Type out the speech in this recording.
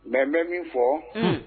N n bɛ min fɔ